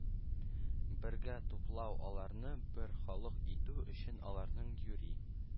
Бергә туплау, аларны бер халык итү өчен аларны юри